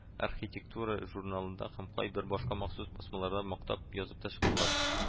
“архитектура” журналында һәм кайбер башка махсус басмаларда мактап язып та чыктылар